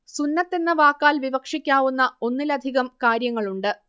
സുന്നത്തെന്ന വാക്കാൽ വിവക്ഷിക്കാവുന്ന ഒന്നിലധികം കാര്യങ്ങളുണ്ട്